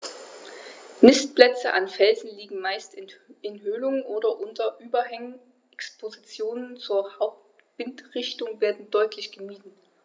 Nistplätze an Felsen liegen meist in Höhlungen oder unter Überhängen, Expositionen zur Hauptwindrichtung werden deutlich gemieden.